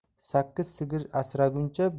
sakkiz sigir asraguncha